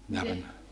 ne oli ne